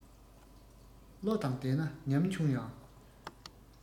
བློ དང ལྡན ན ཉམ ཆུང ཡང